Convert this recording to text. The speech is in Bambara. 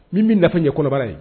Min bɛ nafa ye kɔnɔbara ye